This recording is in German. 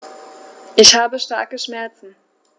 Ich habe starke Schmerzen.